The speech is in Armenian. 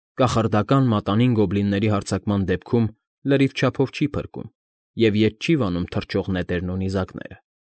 Կախարդական մատանին գոլբինների հարձակման դեպքում լրիվ չափով չի փրկում և ետ չի վանում թռչող նետերն ու նիզակները։